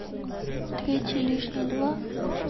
третий лишний два